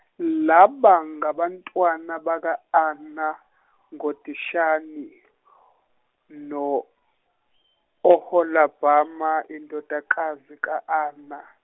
laba ngabantwana baka Ana ngoDishani no Oholabhama indodakazi ka Ana.